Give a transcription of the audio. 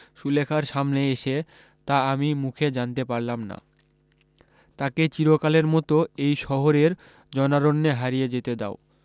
সুলেখার সামনে এসে তা আমি মুখে জানতে পারলাম না তাকে চিরকালের মতো এই শহরের জনারণ্যে হারিয়ে যেতে দাও